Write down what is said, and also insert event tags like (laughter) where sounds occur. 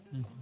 (hesitation) (hesitation)